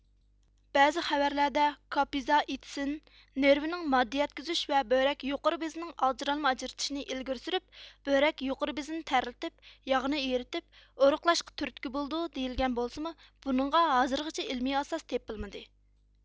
بەزى خەۋەرلەردە كاپزائىتسىن نېرۋىنىڭ ماددا يەتكۈزۈش ۋە بۆرەك يۇقىرى بېزىنىڭ ئاجرالما ئاجرىتىشىنى ئىلگىرى سۈرۈپ بۆرەك يۇقىرى بېزىنى تەرلىتىپ ياغنى ئېرىتىپ ئورۇقلاشقا تۈرتكە بولىدۇ دېيىلگەن بولسىمۇ بۇنىڭغا ھازىرغىچە ئىلمىي ئاساس تېپىلمىدى